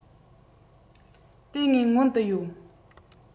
དེ ངའི སྔོན དུ ཡོད